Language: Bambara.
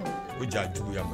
U jaa jugu yan mɛn